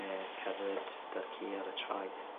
...ne' cerdded 'da'r ci ar y traeth.